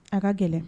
A ka gɛlɛn